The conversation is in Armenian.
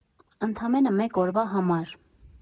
Ընդամենը մեկ օրվա համար։